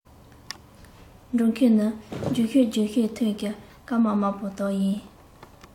འགྲོགས མཁན ནི རྒྱུགས ཤོག རྒྱུགས ཤོག ཐོག གི སྐར མ དམར པོ དག ཡིན